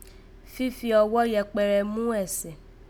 Fífi ọwọ́ yẹkpẹrẹ mú ẹ̀sẹ̀